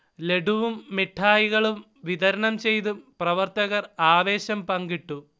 ലഡുവും മിഠായികളും വിതരണംചെയ്തും പ്രവർത്തകർ ആവേശം പങ്കിട്ടു